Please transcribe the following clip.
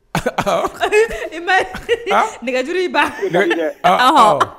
Ɔ ma nɛgɛjuru b'